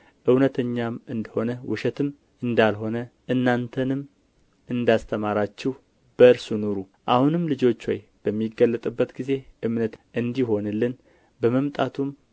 እውነተኛም እንደ ሆነ ውሸትም እንዳልሆነ እናንተንም እንዳስተማራችሁ በእርሱ ኑሩ አሁንም ልጆች ሆይ በሚገለጥበት ጊዜ እምነት እንዲሆንልን በመምጣቱም